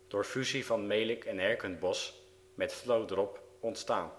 door fusie van Melick en Herkenbosch met Vlodrop ontstaan